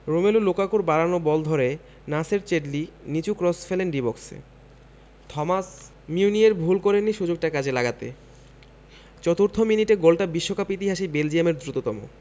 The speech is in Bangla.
রোমেলু লুকাকুর বাড়ানো বল ধরে নাসের চ্যাডলি নিচু ক্রস ফেলেন ডি বক্সে থমাস মিউনিয়ের ভুল করেননি সুযোগটা কাজে লাগাতে চতুর্থ মিনিটে গোলটা বিশ্বকাপ ইতিহাসেই বেলজিয়ামের দ্রুততম